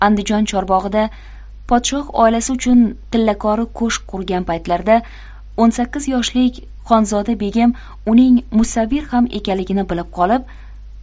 andijon chorbog'ida podshoh oilasi uchun tillakori ko'shk qurgan paytlarida o'n sakkiz yoshlik xonzoda begim uning musavvir ham ekanligini bilib qolib